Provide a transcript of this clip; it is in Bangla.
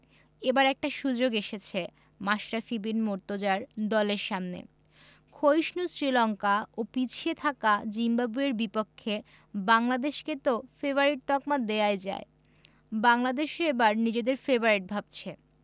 এবার একটা সুযোগ এসেছে মাশরাফি বিন মুর্তজার দলের সামনে ক্ষয়িষ্ণু শ্রীলঙ্কা ও পিছিয়ে থাকা জিম্বাবুয়ের বিপক্ষে বাংলাদেশকে তো ফেবারিট তকমা দেওয়াই যায় বাংলাদেশও এবার নিজেদের ফেবারিট ভাবছে